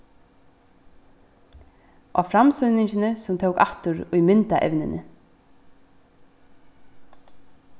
á framsýningini sum tók aftur í myndaevnini